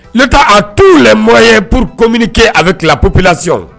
Ne ka a tu bɛmɔgɔ ye purkm mini kɛ a bɛ tila pplasi